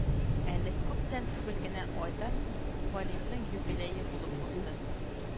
Әле күптән түгел генә Айдар Хәлимнең юбилее булып узды